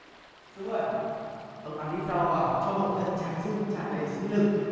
trung ơi ông ăn ít rau vào cho bổ thận tráng dương tràn đầy sinh lực